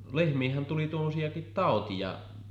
lehmiinhän tuli tuommoisiakin tauteja